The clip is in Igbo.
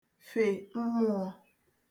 fè mmụ̄ọ̄